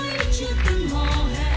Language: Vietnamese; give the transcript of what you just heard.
chưa từng hò